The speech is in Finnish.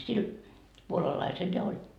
sillä puolalaisella ja oli